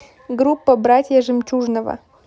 группа братья жемчужного